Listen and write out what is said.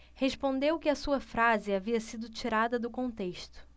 respondeu que a sua frase havia sido tirada do contexto